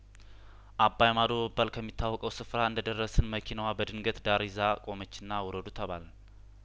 አባይማዶ በመባል ከሚታወቀው ስፍራ እንደደረስን መኪናዋ በድንገት ዳር ይዛ ቆመችና ውረዱ ተባልን